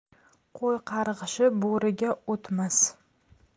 qo'y qarg'ishi bo'riga o'tmas